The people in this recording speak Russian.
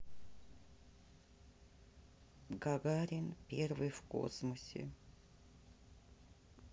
гагарин первый в космосе